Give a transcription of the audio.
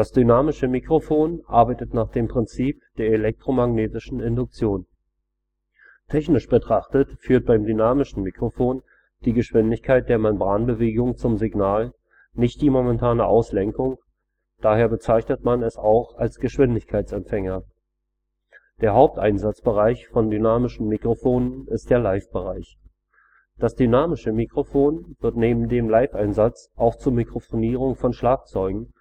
dynamische Mikrofon arbeitet nach dem Prinzip der elektromagnetischen Induktion. Technisch betrachtet führt beim Dynamischen Mikrofon die Geschwindigkeit der Membranbewegung zum Signal, nicht die momentane Auslenkung, daher bezeichnet man es auch als Geschwindigkeitsempfänger. Der Haupteinsatzbereich von dynamischen Mikrofonen ist der Live-Bereich. Das Dynamische Mikrofon wird neben dem Live-Einsatz auch zur Mikrofonierung von Schlagzeugen